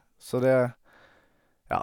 Så det, ja.